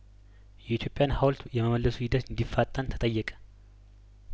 የኢትዮጵያን ሀውልት የመመለሱ ሂደት እንዲ ፋጠን ተጠየቀ